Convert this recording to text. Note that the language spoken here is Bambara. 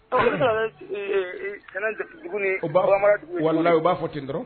Ko wala u b'a fɔ ten dɔrɔn